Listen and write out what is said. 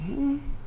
Un